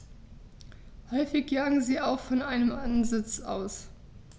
Häufig jagen sie auch von einem Ansitz aus.